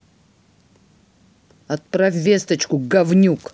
отправь весточку говнюк